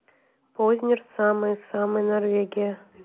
познер самые самые норвегия